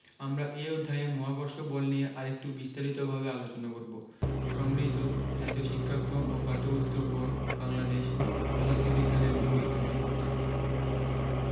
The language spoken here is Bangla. আমরা এই অধ্যায়ে মহাকর্ষ বল নিয়ে আরেকটু বিস্তারিতভাবে আলোচনা করব সংগৃহীত জাতীয় শিক্ষাক্রম ও পাঠ্যপুস্তক বোর্ড বাংলাদেশ পদার্থ বিজ্ঞান এর বই অন্তর্ভুক্ত